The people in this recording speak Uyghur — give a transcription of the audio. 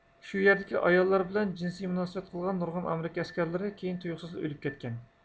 شۇ يەردىكى ئاياللار بىلەن جىنسىي مۇناسىۋەت قىلغان نۇرغۇن ئامېرىكا ئەسكەرلىرى كېيىن تۇيۇقسىزلا ئۆلۈپ كەتكەن